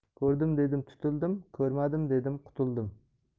ko'rdim dedim tutildim ko'rmadim dedim qutuldim